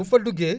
bu fa duggee